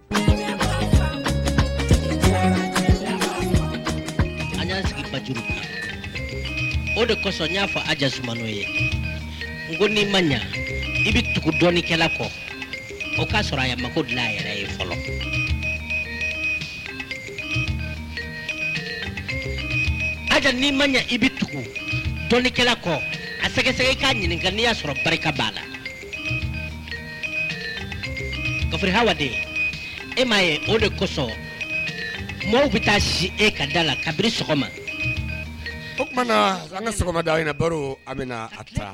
O desɔn y ma ɲɛ i tugu kɔ o'a a mako ma i bɛ tugu kɔ a sɛgɛ e k'a ɲininka n'i y'a sɔrɔ barika' la e m ma o de kosɔn maaw bɛ taa si e ka da la ka sɔgɔma o an ka sɔgɔma baro